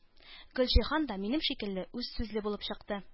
Гөлҗиһан да минем шикелле үзсүзле булып чыкты.